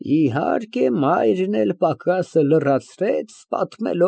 ՄԱՐԳԱՐԻՏ ֊ (Մոտենում է, օգնում փողկապը կապելու) Քեզ համար հեշտ է այդ ասել։ Դու հաշտվում ես կյանքի բոլոր հանգամանքների հետ։